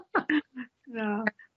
Na.